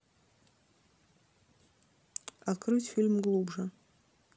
открыть фильм глубже